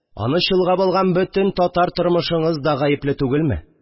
Аны чолгап алган бөтен татар тормышыңыз да гаепле түгелме